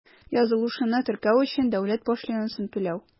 Язылышуны теркәү өчен дәүләт пошлинасын түләү.